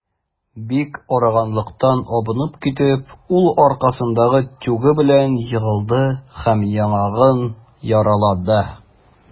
Бик арыганлыктан абынып китеп, ул аркасындагы тюгы белән егылды һәм яңагын яралады.